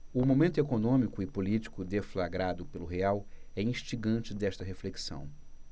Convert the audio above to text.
o momento econômico e político deflagrado pelo real é instigante desta reflexão